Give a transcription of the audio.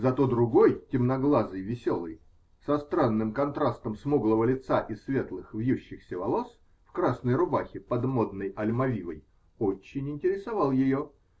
Зато другой, темноглазый, веселый, со странным контрастом смуглого лица и светлых вьющихся волос, в красной рубахе под модной альмавивой, очень интересовал ее.